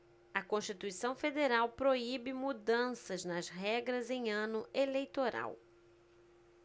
a constituição federal proíbe mudanças nas regras em ano eleitoral